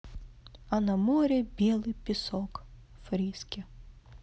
а на море белый песок фриске